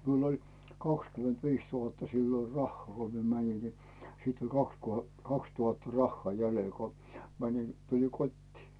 minulla oli kaksikymmentäviisi tuhatta silloin rahaa kun minä menin niin sitten oli kaksi kun kaksituhatta rahaa jäljellä kun menin tulin kotiin